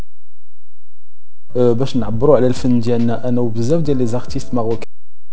بس نعبر الي في الجنه انا وزوجي اللي اختفيت